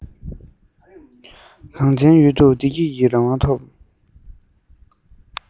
གངས ཅན ཡུལ དུ བདེ སྐྱིད ཀྱི རང དབང ཐོབ